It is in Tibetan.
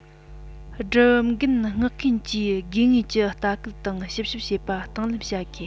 སྒྲུབ འགན མངགས མཁན གྱིས དགོས ངེས ཀྱི ལྟ སྐུལ དང ཞིབ བཤེར བྱེད པ དང ལེན བྱ དགོས